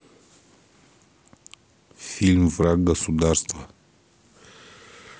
фильм враг государства